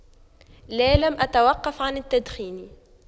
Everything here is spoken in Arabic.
لا لم أتوقف عن التدخين